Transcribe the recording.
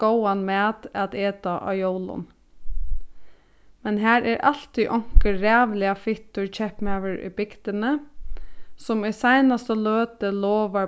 góðan mat at eta á jólum men har er altíð onkur ræðuliga fittur keypmaður í bygdini sum í seinastu løtu lovar